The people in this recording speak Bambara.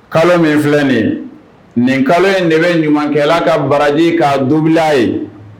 Kalo min filɛnen nin kalo in de bɛ ɲumankɛla ka baraji k'a donbila ye